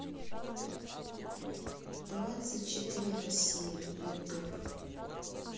двадцать четыре россия ютуб